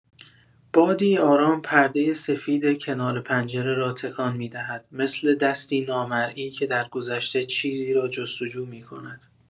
بادی آرام پردۀ سفید کنار پنجره را تکان می‌دهد، مثل دستی نامرئی که درگذشته چیزی را جست‌وجو می‌کند.